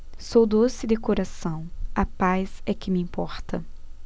sou doce de coração a paz é que me importa